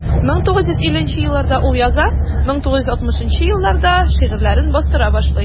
1950 елларда ул яза, 1960 елларда шигырьләрен бастыра башлый.